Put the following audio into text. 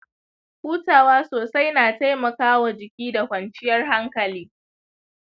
hutawa sosai na taimaka wa jiki da kwanciyar hankali.